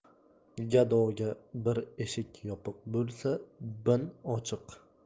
gadoga bir eshik yopiq bo'lsa bin ochiq